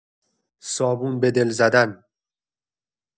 صابون به دل زدن